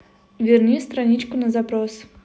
верни страничку на запрос